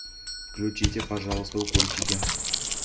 включите пожалуйста укольчики